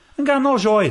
Yn ganol sioe!